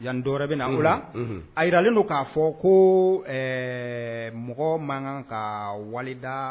Yan dɔwɔrɔ bɛ a a yilen don k'a fɔ ko mɔgɔ man kan ka walida